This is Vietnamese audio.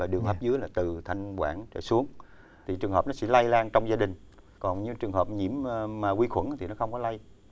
và đường hầm dưới là từ thanh quản trở xuống thì trường hợp nó sẽ lây lan trong gia đình còn như trường hợp nhiễm mà mà vi khuẩn thì nó không có lây